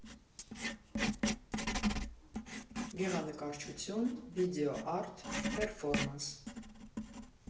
Գեղանկարչություն, վիդեոարտ, պերֆորմանս։